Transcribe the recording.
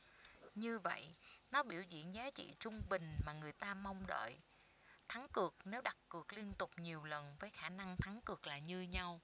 như vậy nó biểu diễn giá trị trung bình mà người ta mong đợi thắng cược nếu đặt cược liên tục nhiều lần với khả năng thắng cược là như nhau